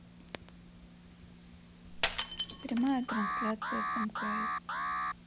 прямая трансляция с мкс